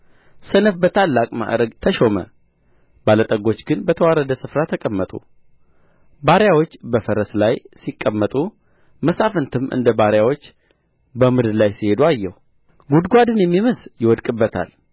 ሰነፍ በታላቅ ማዕርግ ተሾመ ባለጠጎች ግን በተዋረደ ስፍራ ተቀመጡ ባሪያዎች በፈረስ ላይ ሲቀመጡ መሳፍንትም እንደ ባሪያዎች በምድር ላይ ሲሄዱ አየሁ ጕድጓድን የሚምስ ይወድቅበታል